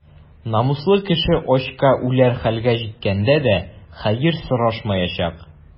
Намуслы кеше ачка үләр хәлгә җиткәндә дә хәер сорашмаячак.